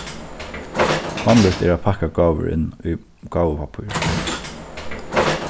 vanligt er at pakka gávur inn í gávupappír